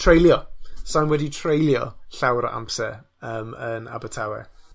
treulio! Sai'n wedi treulio llawer o amser yym yn Abertawe,